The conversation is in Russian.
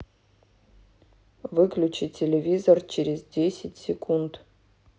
выключи телевизор через десять секунд